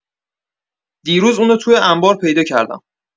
دیروز اونو توی انبار پیدا کردم.